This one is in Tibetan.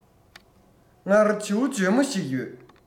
སྔར བྱིའུ འཇོལ མོ ཞིག ཡོད